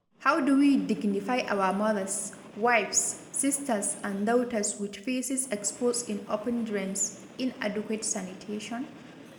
How do we dignify our mothers, wives, sisters and daughters with feces exposed in open drains – inadequate sanitation?